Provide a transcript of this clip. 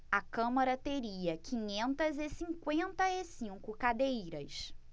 a câmara teria quinhentas e cinquenta e cinco cadeiras